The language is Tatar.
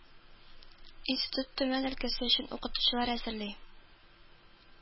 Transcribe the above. Институт Төмән өлкәсе өчен укытучылар әзерли